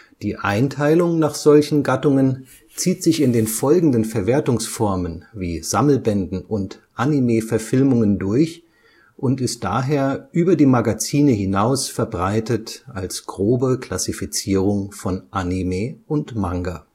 Die Einteilung nach solchen Gattungen zieht sich in den folgenden Verwertungsformen wie Sammelbänden und Anime-Verfilmungen durch und ist daher über die Magazine hinaus verbreitet als grobe Klassifizierung von Anime und Manga